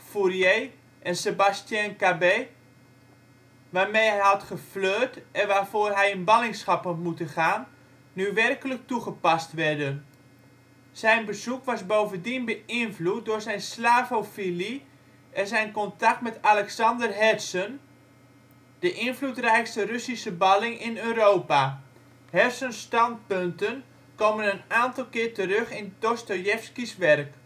Fourier en Sébastien Cabet), waarmee hij had geflirt en waarvoor hij in ballingschap had moeten gaan, nu werkelijk toegepast werden. Zijn bezoek was bovendien beïnvloed door zijn slavofilie en zijn contact met Alexander Herzen, de invloedrijkste Russische balling in Europa. Herzens standpunten komen een aantal keer terug in Dostojevski 's werk